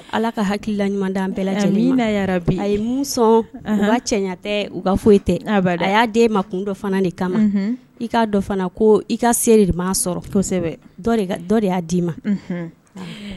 Ala ka hakilila ɲuman bɛɛla bi a ye muzɔn u ka cɛ tɛ u ka foyi tɛda a y'a den ma kun dɔ fana de kama i'a dɔ fana ko i ka se de m' sɔrɔ kosɛbɛ dɔ de y'a d'i ma